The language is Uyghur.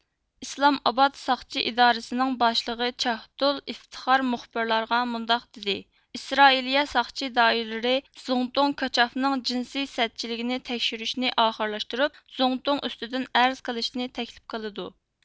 ئىسلامئاباد ساقچى ئىدارىسىنىڭ باشلىقى چاھدۇل ئىفتىخار مۇخبىرلارغا مۇنداق دېدى ئىسرائىلىيە ساقچى دائىرىلىرى زۇڭتۇڭ كاچافنىڭ جىنسىي سەتچىلىكىنى تەكشۈرۈشنى ئاخىرلاشتۇرۇپ زۇڭتۇڭ ئۈستىدىن ئەرز قىلىشنى تەكلىپ قىلدۇ